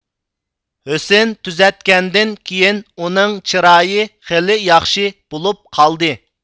ھۆسن تۈزەتكەندىن كېيىن ئۇنىڭ چىرايى خېلى ياخشى بولۇپ قالدى